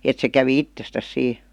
että se kävi itsestään siinä